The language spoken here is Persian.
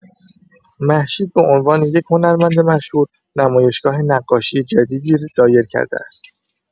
مهشید به عنوان یک هنرمند مشهور، نمایشگاه نقاشی جدیدی دایر کرده است.